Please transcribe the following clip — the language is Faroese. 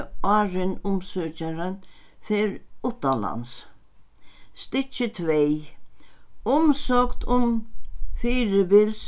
áðrenn umsøkjarin fer uttanlands stykki tvey um fyribils